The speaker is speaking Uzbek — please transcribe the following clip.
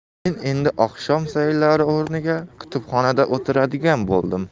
men endi oqshom sayllari o'rniga kutubxonada o'tiradigan bo'ldim